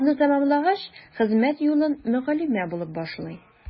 Аны тәмамлагач, хезмәт юлын мөгаллимә булып башлый.